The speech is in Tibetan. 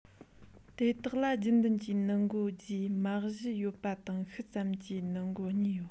དེ དག ལ རྒྱུན ལྡན གྱི ནུ མགོ རྒྱས མ བཞི ཡོད པ དང ཤུལ ཙམ གྱི ནུ མགོ གཉིས ཡོད